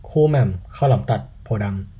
คู่แหม่มข้าวหลามตัดโพธิ์ดำ